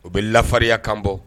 U bɛ lafarin kan bɔ